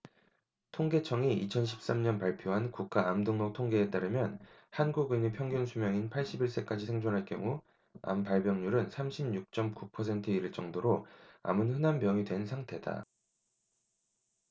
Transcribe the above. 통계청이 이천 십 삼 년 발표한 국가암등록통계에 따르면 한국인의 평균수명인 팔십 일 세까지 생존할 경우 암발병률은 삼십 육 쩜 구 퍼센트에 이를 정도로 암은 흔한 병이 된 상태다